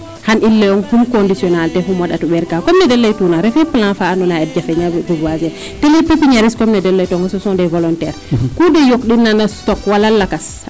xa i leyong kum conditionnalité fuma ndata ɓeer kaa comme neede ley tuuna rek refe plan faa ando naye a jafe nja tig to les pepiniesriste comme neede ley tooga se sont des volontaire ku de yoq ndina no stock wala lakas